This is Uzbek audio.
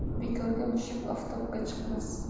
bekorga mushuk oftobga chiqmas